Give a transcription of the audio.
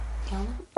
Iawn.